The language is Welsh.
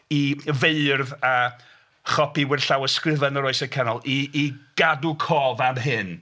i i feirdd a chopiwyr llawysgrifau yn yr oesau canol i i gadw cof am hyn.